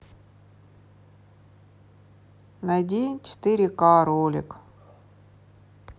найди четыре ка ролик